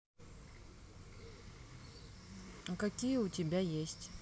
а какие у тебя есть